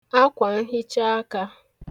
akwànhichaakā